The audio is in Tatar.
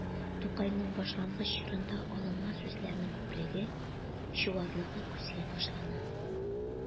Тукайның башлангыч чорында алынма сүзләрнең күплеге, чуарлыгы күзгә ташлана.